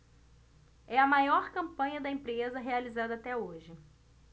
é a maior campanha da empresa realizada até hoje